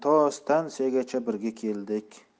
stansiyagacha birga keldik